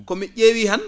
ko mi ?eewii han